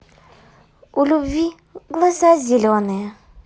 у любви глаза зеленые